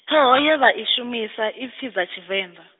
ṱhoho ye vha i shumisa i pfi dza Tshivenḓa.